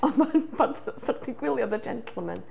O, mae 'sa chdi'n gwylio The Gentleman.